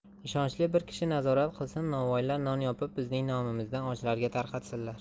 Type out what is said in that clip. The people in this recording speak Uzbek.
ishonchli bir kishi nazorat qilsin novvoylar non yopib bizning nomimizdan ochlarga tarqatsinlar